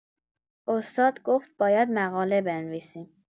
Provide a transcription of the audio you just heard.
استاد گفت باید مقاله بنویسیم